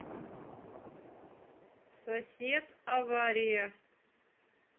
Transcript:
сосед авария